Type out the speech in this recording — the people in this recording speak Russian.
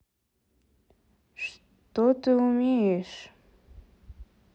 что ты умеешь